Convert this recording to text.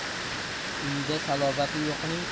uyida salobati yo'qning